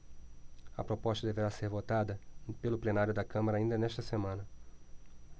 a proposta deverá ser votada pelo plenário da câmara ainda nesta semana